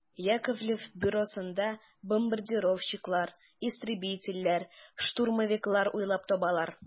Яковлев бюросында бомбардировщиклар, истребительләр, штурмовиклар уйлап табалар.